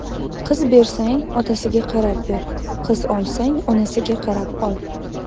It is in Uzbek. qiz bersang otasiga qarab ber qiz olsang onasiga qarab ol